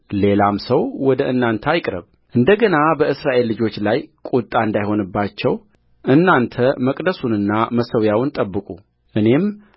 ሌላም ሰው ወደ እናንተ አይቅረብእንደ ገና በእስራኤል ልጆች ላይ ቍጣ እንዳይሆንባቸው እናንተ መቅደሱንና መሠዊያውን ጠብቁእኔም